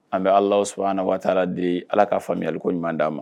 An bɛ ala s anana waa taara di ala kaa faamuyaya koɲuman d'a ma